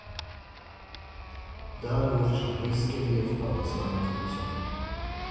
Դա լուրջ ռիսկ էր և պատասխանատվություն։